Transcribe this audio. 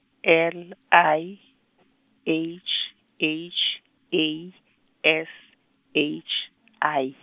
L, I , H, H, A, S, H, I.